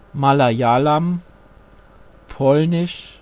Malayalam, Polnisch